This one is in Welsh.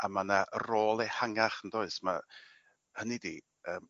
...a ma' 'na rôl ehangach yndoes ma' hynny 'di yym